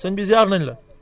sëñ bi ziaar nañ la